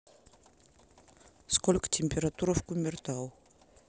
сколько температура в кумертау